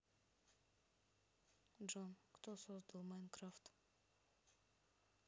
джон кто создал minecraft